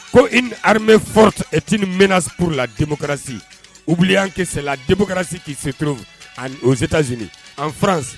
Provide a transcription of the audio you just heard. Ko i ni hame fɔ etini ni mɛnna pur la denbukarasi u wuli an kisɛlamoransi kisɛte ani o seta z an fazse